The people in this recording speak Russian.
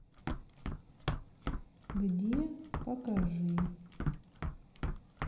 где покажи